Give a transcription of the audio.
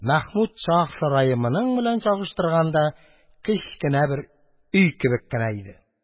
Мәхмүд шаһ сарае моның белән чагыштырганда кечкенә бер өй кебек кенә иде.